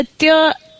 ydi o,